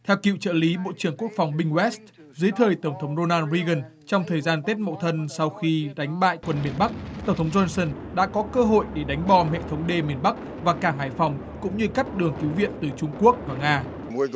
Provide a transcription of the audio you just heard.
theo cựu trợ lý bộ trưởng quốc phòng binh rét dưới thời tổng thống rô na ri gừn trong thời gian tết mậu thân sau khi đánh bại quân miền bắc tổng thống dôn sừn đã có cơ hội để đánh bom hệ thống đê miền bắc và cảng hải phòng cũng như cắt đường cứu viện từ trung quốc và nga